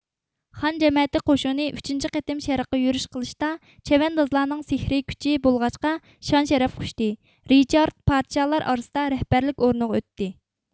خان جەمەتى قوشۇنى ئۈچىنچى قېتىم شەرققە يۈرۈش قىلىشتا چەۋەندازلارنىڭ سېھرىي كۈچى بولغاچقا شان شەرەپ قۇچتى رىچارد پادىشاھلار ئارىسىدا رەھبەرلىك ئورنىغا ئۆتتى